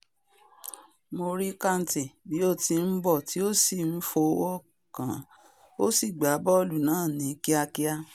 Mo rí Kante bí ó ti ń bọ̀ tí ó sì fọwọ́kàn ó sì gbà bọ́ọ̀lù náà ní kíakíá.''